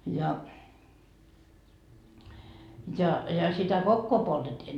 ja ja sitä kokkoa poltettiin